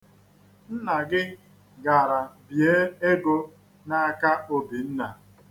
Nna gị gara bie ego n'aka Obinna.